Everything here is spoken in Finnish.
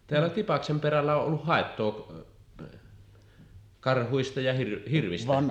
täällä Tipaksen perällä on ollut haittaa karhuista ja hirvistäkin